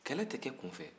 kɛlɛ tɛ kɛ kun fɛ